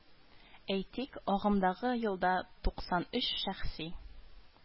Әйтик, агымдагы елда туксан өч шәхси